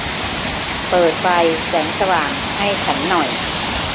เปิดไฟแสงสว่างให้ฉันหน่อย